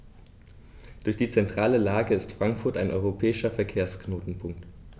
Durch die zentrale Lage ist Frankfurt ein europäischer Verkehrsknotenpunkt.